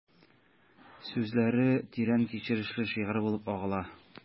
Сүзләре тирән кичерешле шигырь булып агыла...